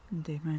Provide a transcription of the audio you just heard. Yndi mai.